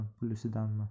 pul isidanmi